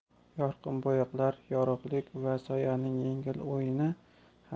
yorqin bo'yoqlar yorug'lik va soyaning yengil